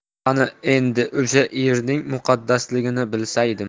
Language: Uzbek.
qani endi o'sha yerning muqaddasligini bilsaydim